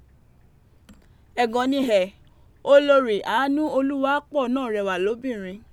Ẹgan ni hẹ̀, olorì Anuoluwapọ naa rẹwa lobinrin.